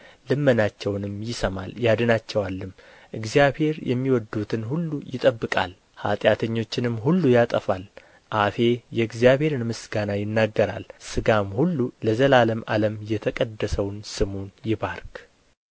ልመናቸውንም ይሰማል ያድናቸዋልም እግዚአብሔር የሚወድዱትን ሁሉ ይጠብቃል ኃጢአተኞችንም ሁሉ ያጠፋል አፌ የእግዚአብሔርን ምስጋና ይናገራል ሥጋም ሁሉ ለዘላለም ዓለም የተቀደሰውን ስሙን ይባርክ